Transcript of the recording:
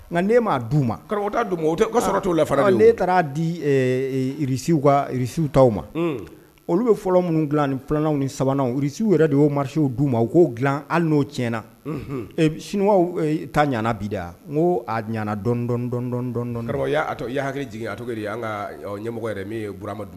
Nka ne m ma d uu ma sɔrɔ' la ale taara' diwsiww ta ma olu bɛ fɔlɔ minnu dila ni ni sabananrusiww yɛrɛ de y'o marisiww du ma u k'o dila an n'o tiɲɛna sun taa ɲana bi yan n ko a ɲana dɔn dɔn'a i ye hakɛ jigin a to an ka ɲɛmɔgɔ yɛrɛ min ye burama don